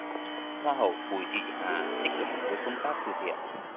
hoa hậu bùi thị hà tích cực với công tác từ thiện